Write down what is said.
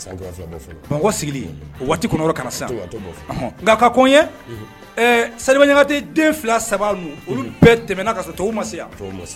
Sigilen kɔnɔ ka sati den saba olu bɛɛ tɛmɛna ka ma